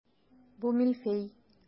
Бу мильфей.